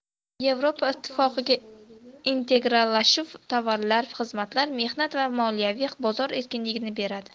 yevropa ittifoqiga integrallashuv tovarlar xizmatlar mehnat va moliyaviy bozor erkinligini beradi